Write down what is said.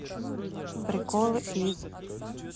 приколы из